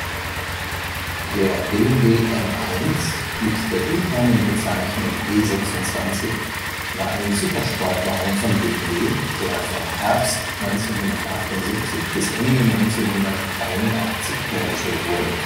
Der BMW M1 (interne Bezeichnung E26) war ein Supersportwagen von BMW, der von Herbst 1978 bis Ende 1981 hergestellt wurde